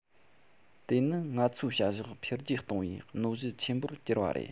དེ ནི ང ཚོའི བྱ གཞག འཕེལ རྒྱས གཏོང བའི གནོད གཞི ཆེན པོར གྱུར པ རེད